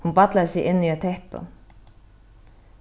hon ballaði seg inn í eitt teppi